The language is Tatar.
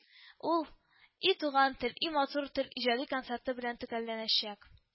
Ул “и туган тел, и матур тел...” иҗади концерты белән төгәлләнәчәк